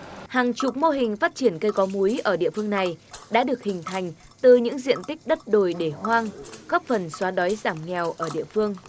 hàng chục mô hình phát triển cây có múi ở địa phương này đã được hình thành từ những diện tích đất đồi để hoang góp phần xóa đói giảm nghèo ở địa phương